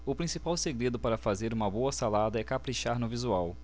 o principal segredo para fazer uma boa salada é caprichar no visual